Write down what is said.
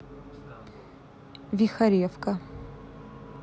вихоревка